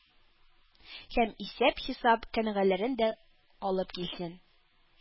Һәм: «исәп-хисап кенәгәләрен дә алып килсен»,